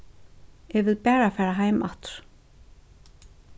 eg vil bara fara heim aftur